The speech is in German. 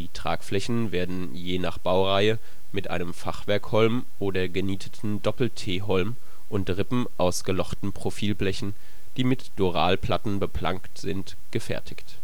Tragflächen wurden je nach Baureihe mit einem Fachwerkholm oder genietetem Doppel-T Holm und Rippen aus gelochten Profilblechen, die mit Duralplatten beplankt sind gefertigt